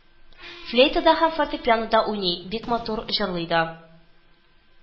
Флейтада һәм фортепьянода уйный, бик матур җырлый да